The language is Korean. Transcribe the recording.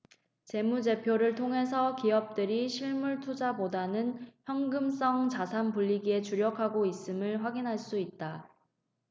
재무제표를 통해서도 기업들이 실물투자보다는 현금성 자산 불리기에 주력하고 있음을 확인할 수 있다